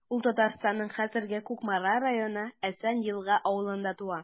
Ул Татарстанның хәзерге Кукмара районы Әсән Елга авылында туа.